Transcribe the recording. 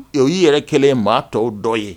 O y ye yɛrɛ kɛlen maa tɔw dɔ ye